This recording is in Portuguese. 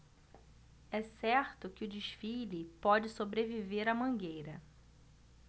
é certo que o desfile pode sobreviver à mangueira